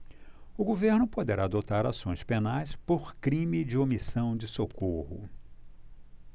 o governo poderá adotar ações penais por crime de omissão de socorro